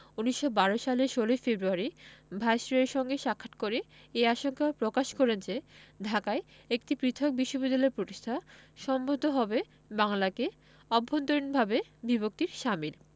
১৯১২ সালের ১৬ ফেব্রুয়ারি ভাইসরয়ের সঙ্গে সাক্ষাৎ করে এ আশঙ্কা প্রকাশ করেন যে ঢাকায় একটি পৃথক বিশ্ববিদ্যালয় প্রতিষ্ঠা সম্ভবত হবে বাংলাকে অভ্যন্তরীণভাবে বিভক্তির শামিল